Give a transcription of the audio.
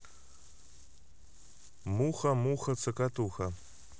муха муха цокотуха